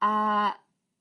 a